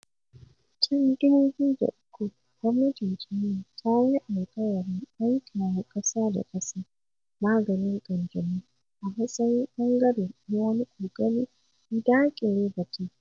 Tun 2003, gwamnatin China ta yi alƙawarin aikawa ƙasa-da-ƙasa maganin ƙanjamau a matsayin ɓangare na wani ƙoƙari na daƙile batun.